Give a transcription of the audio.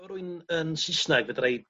o rywun yn sysnag fedrai